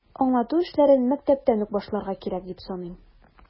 Аңлату эшләрен мәктәптән үк башларга кирәк, дип саныйм.